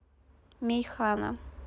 мейхана